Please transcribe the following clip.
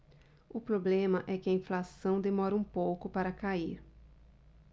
o problema é que a inflação demora um pouco para cair